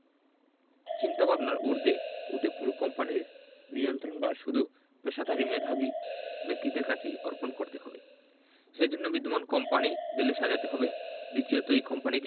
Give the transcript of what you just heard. চিন্তাভাবনার ঊর্ধ্বে উঠে পুরো কোম্পানির নিয়ন্ত্রণভার শুধু পেশাদারি মেধাবী ব্যক্তিদের কাছেই অর্পণ করতে হবে সে জন্য বিদ্যমান কোম্পানি ঢেলে সাজাতে হবে